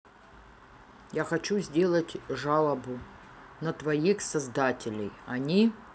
я хочу сделать жалобу на твоих создателей они